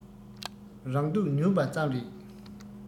རང སྡུག ཉོས པ ཙམ རེད